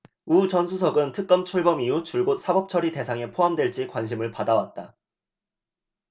우 전 수석은 특검 출범 이후 줄곧 사법처리 대상에 포함될지 관심을 받아왔다